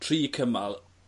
tri cymal